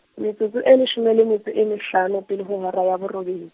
metsotso e leshome le metso e mehlano pele ho hora ya borobed-.